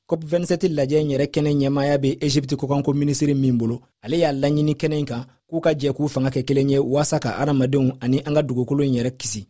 cop27 lajɛ in yɛrɛ kɛnɛ ɲɛmaaya bɛ egypte kɔkanko minisiri bolo ale y'a laɲini kɛnɛ in kan k'u ka jɛ k'u fanga kɛ kelen ye waasa ka hadamadenw ani an ka dugukolo in yɛrɛ kisi